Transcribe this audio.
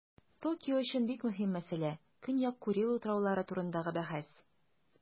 Токио өчен бик мөһим мәсьәлә - Көньяк Курил утраулары турындагы бәхәс.